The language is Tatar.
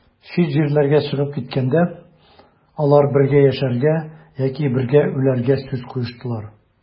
Чит җирләргә чыгып киткәндә, алар бергә яшәргә яки бергә үләргә сүз куештылар.